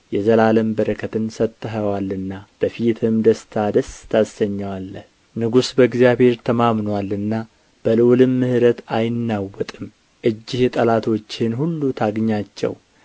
የዘላለም በረከትን ሰጥተኸዋልና በፊትህም ደስታ ደስ ታሰኘዋለህ ንጉሥ በእግዚአብሔር ተማምኖአልና በልዑልም ምሕረት አይናወጥም እጅህ ጠላቶችህን ሁሉ ታግኛቸው